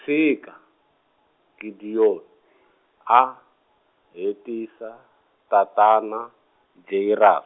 tshika, Gideon, a, hetisa, tatana, Jairus.